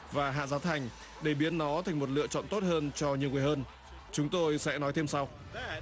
và hạ giá thành để biến nó thành một lựa chọn tốt hơn cho nhiều người hơn chúng tôi sẽ nói thêm sau